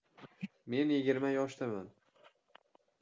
men yigirma yoshdaman